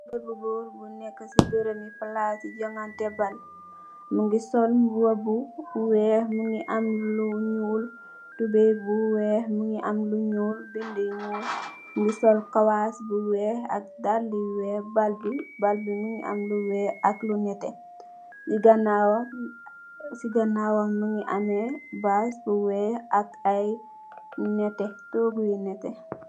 Haleh bu goor bu neka se bereme plase juganteh ball muge sol muba bu weex muge am lu nuul tubaye bu weex muge am lu nuul bede yu nuul muge sol kawass bu weex ak dalle yu weex ball be ball be muge am lu weex ak lu neteh se ganawam se ganawam muge ameh bass bu weex ak aye neteh toogu yu neteh.